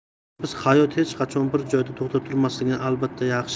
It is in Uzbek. biz hayot hech qachon bir joyda to'xtab turmasligini albatta yaxshi